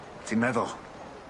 Ti'n meddwl?